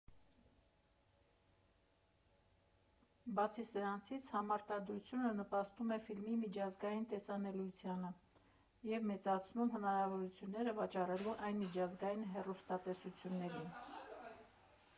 Բացի սրանցից համարտադրությունը նպաստում է ֆիլմի միջազգային տեսանելիությանը և մեծացնում հնարավորությունները վաճառելու այն միջազգային հեռուստատեսություններին»։